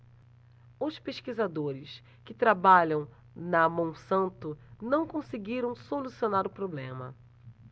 os pesquisadores que trabalham na monsanto não conseguiram solucionar o problema